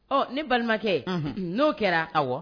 Ɔ ni balimakɛ n'o kɛra a wa